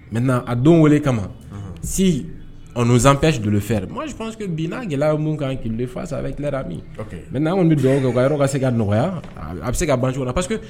Maintenant a don wele kama si on nous empêche de le faire moi je pense que bi n'a gɛlɛya bɛmin kan qu'il le fasse avec leurs amis, ok, maintenent an kɔni bɛ dugawu kɛ u ka yɔrɔ ka se ka nɔgɔya, a bɛ se ka ban cogo min na, parce que